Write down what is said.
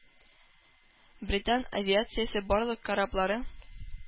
Британ авиациясе барлык кораблары,